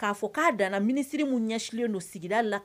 K'a fɔ k'a dan minisiri tun ɲɛlen don sigida la